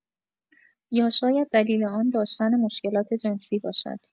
یا شاید دلیل آن داشتن مشکلات جنسی باشد!